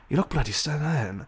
You look bloody stunning.